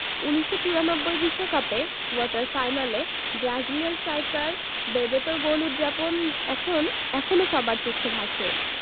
১৯৯৪ বিশ্বকাপে কোয়ার্টার ফাইনালে Brazilian striker বেবেতোর গোল উদ্ যাপন এখন এখনো সবার চোখে ভাসে